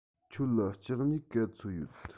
ཁྱོད ལ ལྕགས སྨྱུག ག ཚོད ཡོད